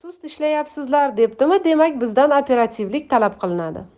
sust ishlayapsizlar debdimi demak bizdan operativlik talab qilinadi